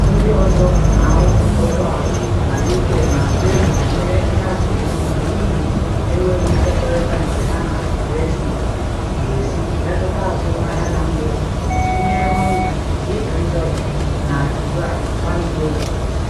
Ndị ọzọ na-arụpụta ụgbọ ala na UK na-atụ egwu banyere ịhapụ EU n'ihi enweghị nkwekọrịta nke ha na Brexit ga-esi mmetụta azụmahịa na mba ụwa, tinyere Honda, BMW na Jaguar Land Rover.